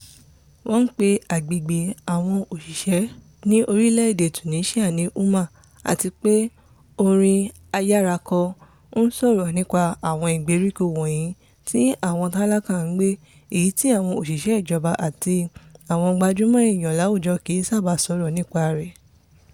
Wọ́n ń pe agbègbè àwọn òṣìṣẹ́ ní orílẹ̀ èdè Tunisia ní Houma... Àtipé orin ayárakọ ń sọ̀rọ̀ nípa àwọn ìgbèríko wọ̀nyí tí àwọn tálákà ń gbé, èyí tí àwọn òṣìṣẹ́ ìjọba àti àwọn gbajúmọ̀ ènìyàn láwùjọ kìí sábà sọ̀rọ̀ nípa rẹ̀.